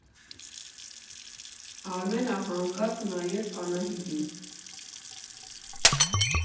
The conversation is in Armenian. Արմենը հանկած նայեց Անահիտին։